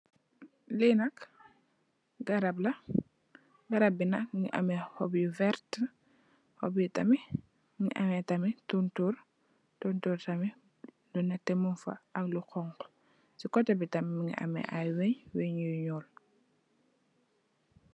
Li nak garab la, garab bi nak mungi ameh hoop yu vert. Hoop yi tamit mungi ameh tamit tontorr, tontorr tamit lu nètè mung fa ak lu honku. Ci kotè bi tamit mungi ameh ay wënn, wënn yu ñuul.